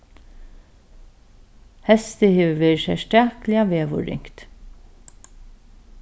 heystið hevur verið serstakliga veðurringt